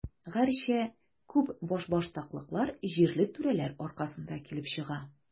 Гәрчә, күп башбаштаклыклар җирле түрәләр аркасында килеп чыга.